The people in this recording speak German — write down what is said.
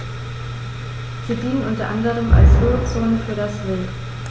Sie dienen unter anderem als Ruhezonen für das Wild.